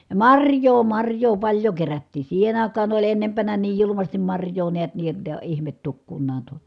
ja marjaa marjaa paljon kerättiin siihen aikaan oli ennempänä niin julmasti marjaa näet niin jotta ei ihme tukkunaan tuo